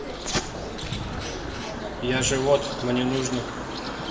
я же вот мне нужно